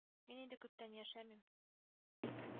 Мин инде күптән яшәмим